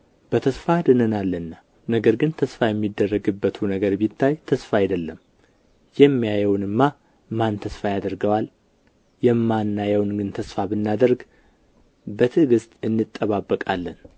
በተስፋ ድነናልና ነገር ግን ተስፋ የሚደረግበቱ ነገር ቢታይ ተስፋ አይደለም የሚያየውንማ ማን ተስፋ ያደርገዋል የማናየውን ግን ተስፋ ብናደርገው በትዕግሥት እንጠባበቃለን